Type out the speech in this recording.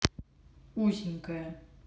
узенькая